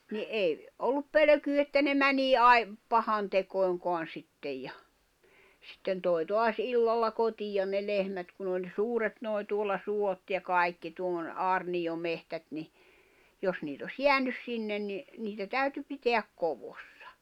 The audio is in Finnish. niin ei ollut pelkoa että ne menee - pahantekoihinkaan sitten ja sitten toi taas illalla kotia ne lehmät kun oli suuret nuo tuolla suot ja kaikki tuolla ne aarniometsät niin jos niitä olisi jäänyt sinne niin niitä täytyi pitää koossa